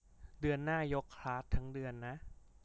เดือนหน้ายกคลาสทั้งเดือนนะ